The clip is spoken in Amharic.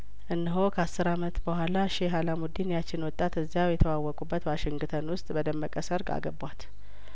እነሆ ከአስር አመት በኋላ ሼህ አላሙዲን ያቺን ወጣት እዚያው የተዋወቁ በት ዋሽንግተን ውስጥ በደመቀ ሰርግ አገቧት